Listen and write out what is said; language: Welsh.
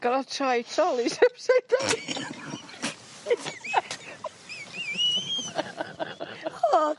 Gor'o' troi trolis upside down. O...